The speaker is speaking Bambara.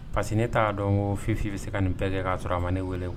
Parce que ne t'a dɔɔn ko Fifi bɛ se ka nin bɛɛ kɛ k'a sɔrɔ a ma ne wele k